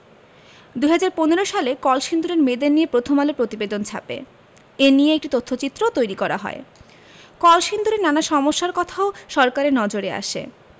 ২০১৫ সালে কলসিন্দুরের মেয়েদের নিয়ে প্রথম আলো প্রতিবেদন ছাপে এ নিয়ে একটি তথ্যচিত্রও তৈরি করা হয় কলসিন্দুরের নানা সমস্যার কথাও সরকারের নজরে আসে